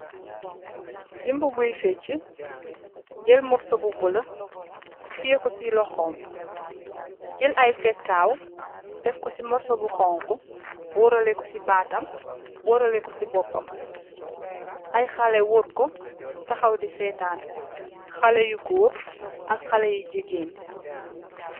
Zimba buy feeci, jal morso bu bule tiye ko si loxom, jal ay peekaw def ko si morso bu xonxo wareleko si batam, wareleko si bopam ay xale warko taxaw di setan, xale yu goor ak xale yu jigeen